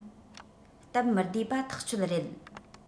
སྟབས མི བདེ པ ཐག ཆོད རེད